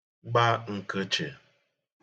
gba nkə̣chị̀